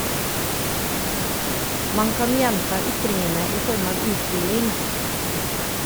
Man kan gjenta ytringene i form av utviding.